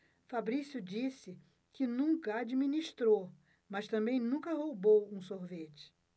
fabrício disse que nunca administrou mas também nunca roubou um sorvete